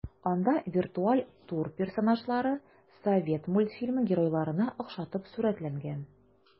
Анда виртуаль тур персонажлары совет мультфильмы геройларына охшатып сурәтләнгән.